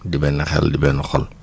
di benn xel di benn xol